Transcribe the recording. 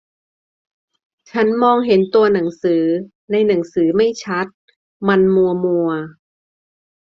ฉันมองเห็นตัวหนังสือในหนังสือไม่ชัดมันมัวมัว